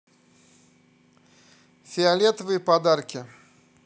фиолетовые подарки